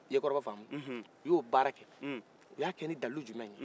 i kɔrɔfɔ famu u ye baarakɛ u y'a kɛ nin dalulu junmɛ ye